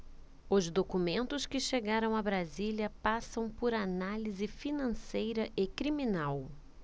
os documentos que chegaram a brasília passam por análise financeira e criminal